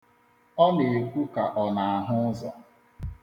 Ọ na-ekwu ka ọ na-ahụ ụzọ.